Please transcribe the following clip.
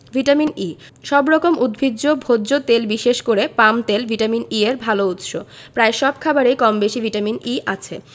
vitamin E সব রকম উদ্ভিজ্জ ভোজ্য তেল বিশেষ করে পাম তেল ভিটামিন E এর ভালো উৎস প্রায় সব খাবারেই কমবেশি ভিটামিন E আছে